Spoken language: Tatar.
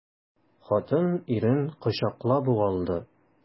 Хатын ирен кочаклап ук алды.